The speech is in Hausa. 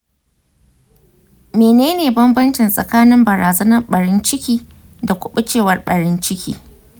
mene ne bambanci tsakanin barazanar ɓarin ciki da kuɓucewar ɓarin ciki ?